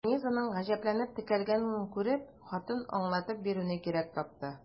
Ленизаның гаҗәпләнеп текәлгәнен күреп, хатын аңлатып бирүне кирәк тапты.